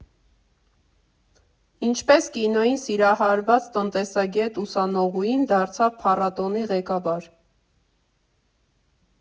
Ինչպե՞ս կինոյին սիրահարված տնտեսագետ ուսանողուհին դարձավ փառատոնի ղեկավար.